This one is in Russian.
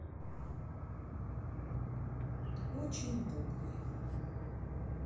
очень буквы